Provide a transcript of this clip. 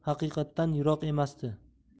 g'oyalari haqiqatdan yiroq emasdi